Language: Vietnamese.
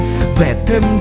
vẽ thêm